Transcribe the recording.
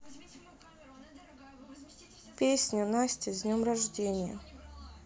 песня настя с днем рождения